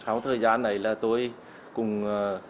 sau thời gian ấy là tôi cùng à